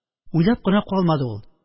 Уйлап кына калмады ул,